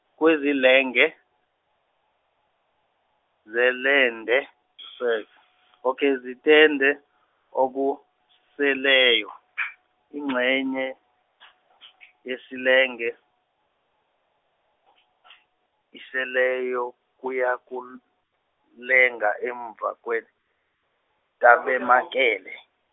kwezilenge, zelende, ok zitende, okuseleyo, ingxenye, yesilenge , iseleyo kuyakul- lenga emva kwetabemakele.